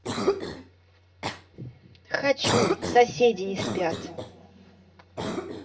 хочу соседи не спят